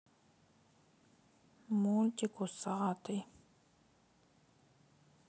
мультик усатый